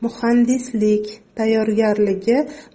muhandislik tayyorgarligi